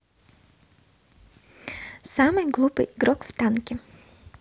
самый глупый игрок в танки